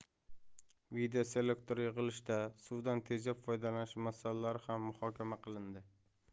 videoselektor yig'ilishida suvdan tejab foydalanish masalalari ham muhokama qilindi